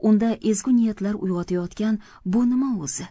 unda ezgu niyatlar uyg'otayotgan bu nima o'zi